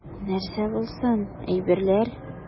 Нәрсә булсын, әйберләр.